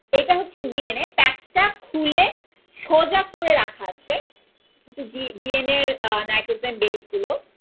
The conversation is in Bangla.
এটা হচ্ছে ডিএনএ প্যাচ টা খুলে সোজা করে রাখা আছে এটা হচ্ছে ডিএনএ র নাইট্রোজেন বেস গুলো